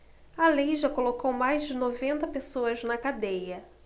a lei já colocou mais de noventa pessoas na cadeia